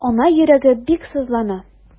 Ана йөрәге бик сызлана.